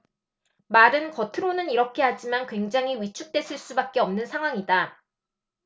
말은 겉으로는 이렇게 하지만 굉장히 위축됐을 수밖에 없는 상황이다